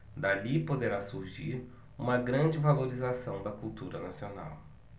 dali poderá surgir uma grande valorização da cultura nacional